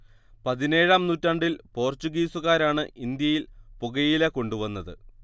പതിനേഴാം നൂറ്റാണ്ടിൽ പോർച്ചുഗീസുകാരാണ് ഇന്ത്യയിൽ പുകയില കൊണ്ടുവന്നത്